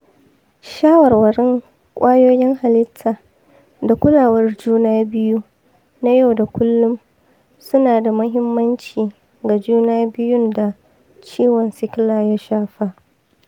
shawarwarin kwayoyin halitta da kulawar juna biyu na yau da kullum suna da muhimmanci ga juna biyun da ciwon sikila ya shafa.